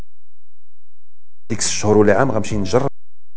سكس سوري